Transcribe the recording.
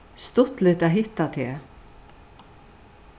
stuttligt at hitta teg